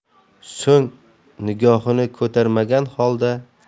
so'ng nigohini ko'tarmagan holda